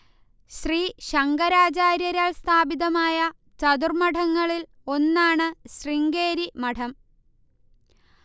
ശ്രീശങ്കരാചാര്യരാൽ സ്ഥാപിതമായ ചതുർമ്മഠങ്ങളിൽ ഒന്നാണു ശൃംഗേരി മഠം